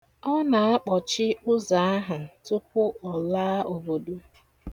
Ọ na-akpọchi ụzọ ahụ tupu ọ laa obodo.